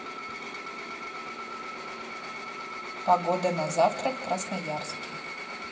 погода на завтра в красноярске